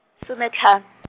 sometlhano.